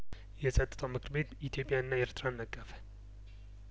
የጸጥታውምክር ቤት ኢትዮጵያንና ኤርትራን ነቀፈ